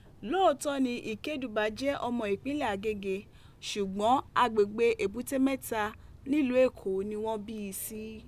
Lootọọ ni Ikeduba jẹ ọmọ ipinlẹ Agége, ṣugbọn agbegbe Ebute Meta niluu Eko ni wọn bi i si.